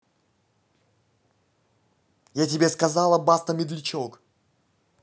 я тебе сказала баста медлячок